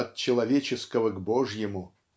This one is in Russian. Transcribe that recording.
от человеческого к божьему